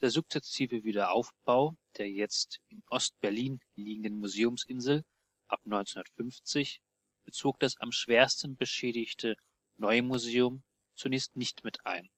sukzessive Wiederaufbau der jetzt in Ost-Berlin liegenden Museumsinsel ab 1950 bezog das am schwersten beschädigte Neue Museum zunächst nicht mit ein